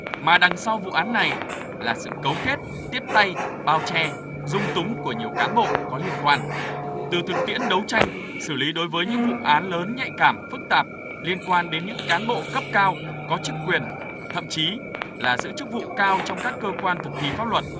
mà đằng sau vụ án này là sự cấu kết tiếp tay bao che dung túng của nhiều cán bộ có liên quan từ thực tiễn đấu tranh xử lý đối với những vụ án lớn nhạy cảm phức tạp liên quan đến những cán bộ cấp cao có chức quyền thậm chí là giữ chức vụ cao trong các cơ quan thực thi pháp luật